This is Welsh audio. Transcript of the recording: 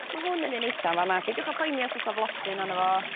ma' hwn yn un eitha fa' 'ma beidiwch â poeni os o's 'a flodyn arno fo